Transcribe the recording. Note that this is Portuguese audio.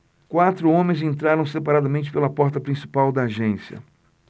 quatro homens entraram separadamente pela porta principal da agência